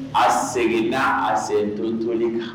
A segin na, a segin cogo .